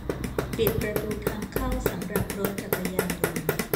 ปิดประตูทางเข้าสำหรับรถจักรยานยนต์